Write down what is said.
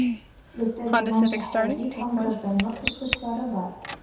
Бездә заманча хәрби һәм гражданлык очкычлары бар.